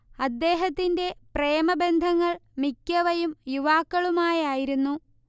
അദ്ദേഹത്തിന്റെ പ്രേമബന്ധങ്ങൾ മിക്കവയും യുവാക്കളുമായായിരുന്നു